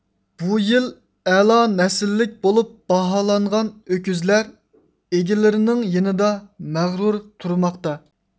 بۇ يىل ئەلا نەسىللىك بولۇپ باھالانغان ئۆكۈزلەر ئىگىلىرىنىڭ يېنىدا مەغرۇر تۇرماقتا